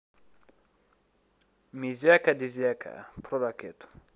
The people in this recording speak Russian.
мизяка дизяка про ракету